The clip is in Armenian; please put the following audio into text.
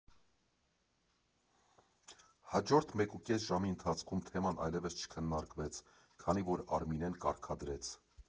Հաջորդած մեկուկես ժամի ընթացքում թեման այլևս չքննարկվեց, քանի որ Արմինեն կարգադրեց.